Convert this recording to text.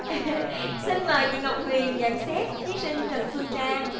xin mời chị ngọc huyền nhận xét thí sinh trần phương trang